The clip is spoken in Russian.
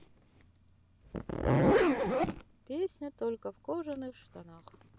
песня только в кожаных штанах